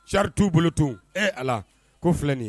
Sri t'u bolo tun e a la ko filɛ nin ye